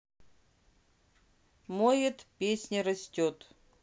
моет песня растет